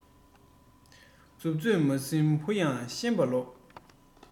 བྱམས པོས བྱས ན དགྲ ཡང གཉེན ལ འགྲོ